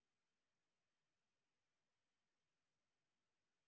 песня патамушка